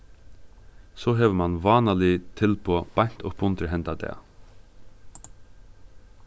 so hevur mann vánalig tilboð beint upp undir henda dag